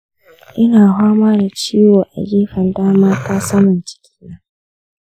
ina fama da ciwo a gefen dama ta saman cikin na.